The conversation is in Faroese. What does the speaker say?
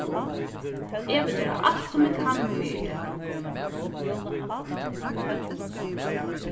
eg vil gera alt sum eg kann fyri teg